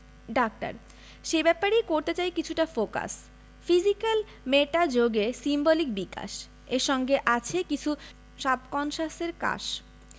doctor সে ব্যাপারেই করতে চাই কিছুটা ফোকাস ফিজিক্যাল মেটা যোগে সিম্বলিক বিকাশ এর সঙ্গে আছে কিছু সাবকন্সাসের কাশ